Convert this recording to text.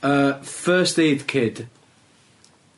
Yy first aid kid.